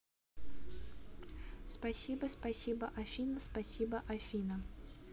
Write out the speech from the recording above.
спасибо спасибо афина спасибо афина